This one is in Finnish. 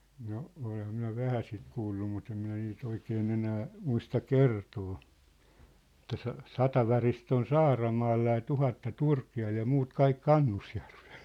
no olenhan minä vähän sitä kuullut mutta en minä niitä oikein enää muista kertoa että - sata varista on Saaramaalla ja tuhatta Turkialla ja muut kaikki Kannusjärvellä